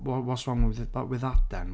wha- what's wrong w-with that then?